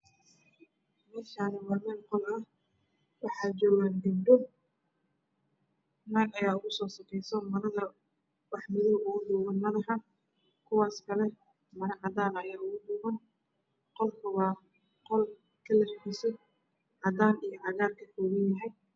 Meeshaan waa meel qol ah. Waxaa joogo gabdho naag ayaa ugu soo sukeyso marada wax madow ayaa ugu duuban madaxa. Kuwa kale maro cadaan ah ayaa ugu duuban qolku waa qol kalarkiisu cadaan iyo cagaar ka kooban yahay.